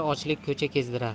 ochlik ko'cha kezdirar